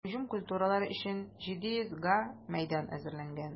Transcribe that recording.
Уҗым культуралары өчен 700 га мәйдан әзерләнгән.